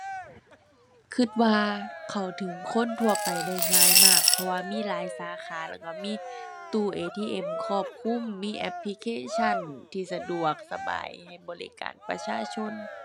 คิดว่าเข้าถึงคนทั่วไปได้ง่ายมาก เพราะว่ามีหลายสาขาแล้วคิดมีตู้ ATM ครอบคลุม มีแอปพลิเคชันที่สะดวกสบายให้บริการประชาชน